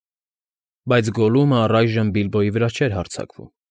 Բայց Գոլլումը առայժմ Բիլբոյի վրա չէր հարձակվում։